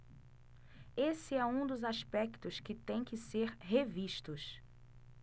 esse é um dos aspectos que têm que ser revistos